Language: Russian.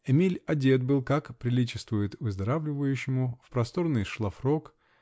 Эмиль одет был, как приличествует выздоравливающему, в просторный шлафрок